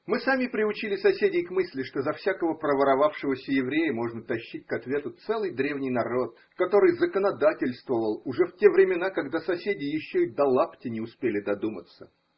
Мы сами приучили соседей к мысли, что за всякого проворовавшегося еврея можно тащить к ответу целый древний народ, который законодательствовал уже в те времена, когда соседи еще и до лаптя не успели додуматься.